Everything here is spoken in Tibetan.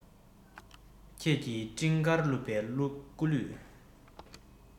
ཁྱེད ཀྱི སྤྲིན དཀར བཀླུབས པའི སྐུ ལུས